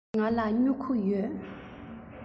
ང ལ སྨྱུ གུ ཡོད